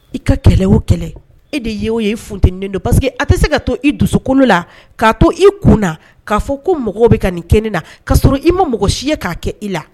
I ka kɛlɛ o kɛlɛ e de ye o ye funten don pa que a tɛ se ka to i dusukolo la k'a to i kun na k'a fɔ ko mɔgɔw bɛ ka nin kɛ na ka sɔrɔ i ma mɔgɔ si ye k'a kɛ i la